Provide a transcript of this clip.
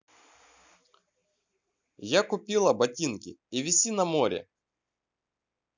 я купила ботинки и веси на море